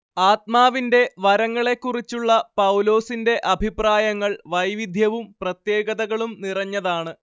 ആത്മാവിന്റെ വരങ്ങളെക്കുറിച്ചുള്ള പൗലോസിന്റെ അഭിപ്രായങ്ങൾ വൈവിദ്ധ്യവും പ്രത്യേകതകളും നിറഞ്ഞതാണ്